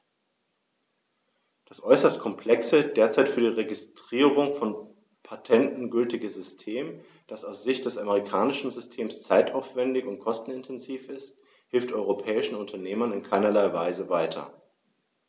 Das äußerst komplexe, derzeit für die Registrierung von Patenten gültige System, das aus Sicht des amerikanischen Systems zeitaufwändig und kostenintensiv ist, hilft europäischen Unternehmern in keinerlei Weise weiter.